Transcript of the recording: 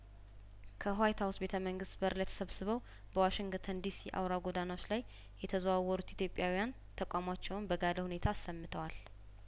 ከኋይት ሀውስ ቤተ መንግስት በር ላይ ተሰባስበው በዋሽንግተን ዲሲ አውራ ጐዳናዎች ላይ የተዘዋወሩት ኢትዮጵያውያን ተቃውሟቸውን በጋለ ሁኔታ አሰምተዋል